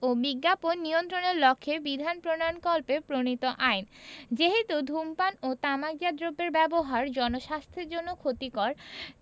ও বিজ্ঞাপন নিয়ন্ত্রণের লক্ষ্যে বিধান প্রণয়নকল্পে প্রণীত আইন যেহেতু ধূমপান ও তামাকজাত দ্রব্যের ব্যবহার জনস্বাস্থ্যের জন্য ক্ষতিকর